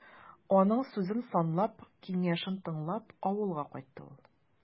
Аның сүзен санлап, киңәшен тыңлап, авылга кайтты ул.